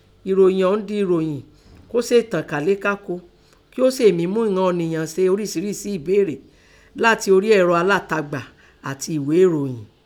Eṣẹ̀lẹ̀ ọ̀ún di èròyìn kó sèè tàn kálékáko, kí ó sèè mí mú ìnán ọ̀nìyàn ṣe orísìírísìí ẹ̀béèrè látin orí ẹ̀rọ alátagbà àtin èghé ẹ̀ròyìn.